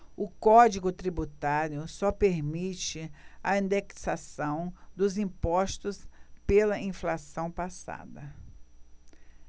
o código tributário só permite a indexação dos impostos pela inflação passada